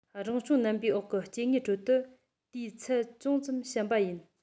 རང བྱུང རྣམ པའི འོག གི སྐྱེ དངོས ཁྲོད དུ དེའི ཚད ཅུང ཙམ ཞན པ ཡིན